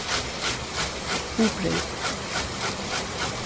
hugbreyt